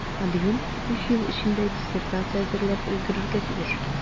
Адъюнкт өч ел эчендә диссертация әзерләп өлгерергә тиеш.